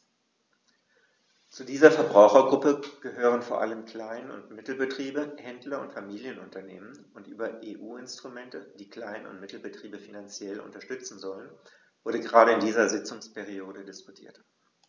Zu dieser Verbrauchergruppe gehören vor allem Klein- und Mittelbetriebe, Händler und Familienunternehmen, und über EU-Instrumente, die Klein- und Mittelbetriebe finanziell unterstützen sollen, wurde gerade in dieser Sitzungsperiode diskutiert.